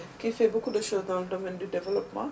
qui fait beaucoup de chose dans le domaine du développement